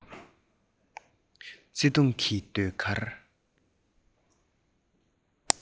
བརྩེ དུང གི ཟློས གར